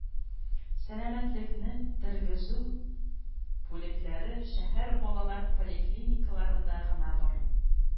Сәламәтлекне тергезү бүлекләре шәһәр балалар поликлиникаларында гына бар